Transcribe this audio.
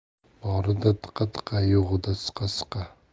borida tiqa tiqa yo'g'ida siqa siqa